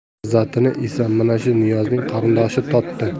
lazzatini esa mana shu niyozning qarindoshi totdi